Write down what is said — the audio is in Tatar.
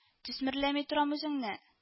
Төсмерләми торам үзеңне